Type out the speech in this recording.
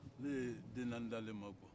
ne ye den naani d'ale ma kuwa